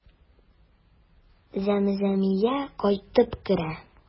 Зәмзәмия кайтып керә.